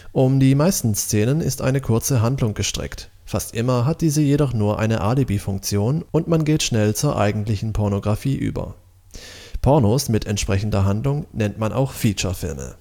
Um die meisten Szenen ist eine kurze Handlung gestrickt – fast immer hat diese jedoch nur eine Alibifunktion und man geht schnell zur eigentlichen Pornografie über. Pornos mit entsprechender Handlung nennt man auch Feature-Filme